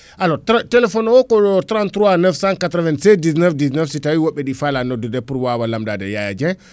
alors tra téléphone o ko 33 996 19 19 so tawi woɓɓe ɗi faala noddude pour wawa lamdade Yaya Dieng